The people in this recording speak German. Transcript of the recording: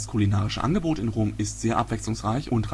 kulinarische Angebot in Rom ist sehr abwechslungsreich und